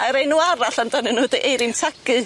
A'r enw arall amdanyn nw 'di eirin tagu.